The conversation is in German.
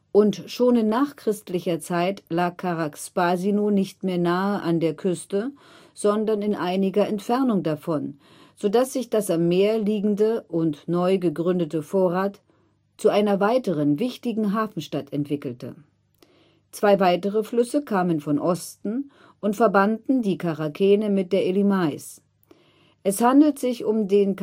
und schon in nachchristlicher Zeit lag Charax-Spasinu nicht mehr nahe an der Küste, sondern in einiger Entfernung davon, so dass sich das am Meer liegende und neu gegründete Forat zu einer weiteren wichtigen Hafenstadt entwickelte. Zwei weitere Flüsse kamen von Osten und verbanden die Charakene mit der Elymais. Es handelt sich um den